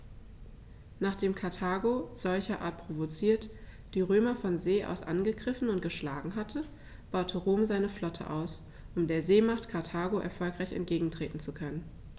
Nachdem Karthago, solcherart provoziert, die Römer von See aus angegriffen und geschlagen hatte, baute Rom seine Flotte aus, um der Seemacht Karthago erfolgreich entgegentreten zu können.